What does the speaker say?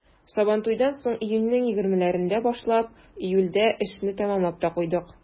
Сабантуйдан соң, июньнең 20-ләрендә башлап, июльдә эшне тәмамлап та куйдык.